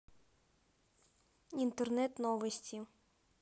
интернет новости